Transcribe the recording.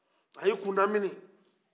a ye a kunda mini